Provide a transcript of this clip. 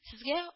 Сезгә